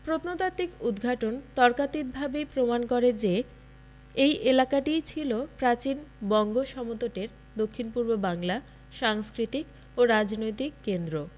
প্রত্নতাত্ত্বিক উদ্ঘাটন তর্কাতীতভাবেই প্রমাণ করে যে এই এলাকাটিই ছিল প্রাচীন বঙ্গ সমতটের দক্ষিণপূর্ব বাংলা সাংস্কৃতিক ও রাজনৈতিক কেন্দ্র